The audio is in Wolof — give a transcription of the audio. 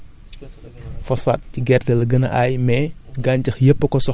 que ci sama toolu ñebe maanaam ci gerte daal la gën a aay